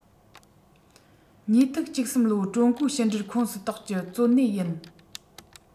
༢༠༡༣ ལོའི ཀྲུང གོའི ཕྱི འབྲེལ ཁོངས སུ གཏོགས ཀྱི གཙོ གནད ཡིན